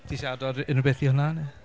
Ti isie ado unrhyw beth i hwnna?